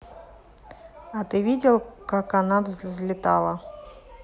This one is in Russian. а ты видел как она взлетала